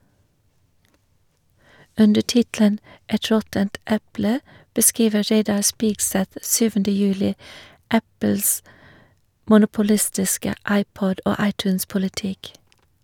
Under tittelen «Et råttent eple» beskriver Reidar Spigseth 7. juli Apples monopolistiske iPod- og iTunes-politikk.